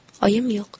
oyim yo'q